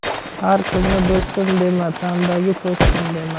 har kimni do'stim dema tandagi po'stim dema